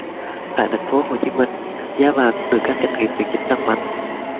tại thành phố hồ chí minh giá vàng cũng được các doanh nghiệp điều chỉnh tăng mạnh